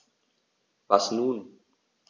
Was nun?